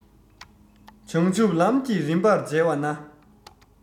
བྱང ཆུབ ལམ གྱི རིམ པར མཇལ བ ན